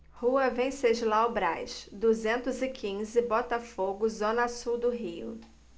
rua venceslau braz duzentos e quinze botafogo zona sul do rio